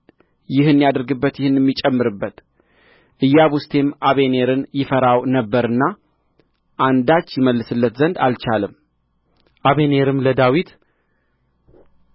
ይህን ያድርግበት ይህንም ይጨምርበት ኢያቡስቴም አበኔርን ይፈራው ነበርና አንዳች ይመልስለት ዘንድ አልቻለም አበኔርም ለዳዊት